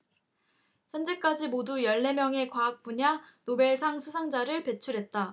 현재까지 모두 열 네 명의 과학분야 노벨상 수상자를 배출했다